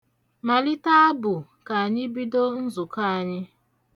Malite abụ ka anyị bidọ nzụkọ anyị.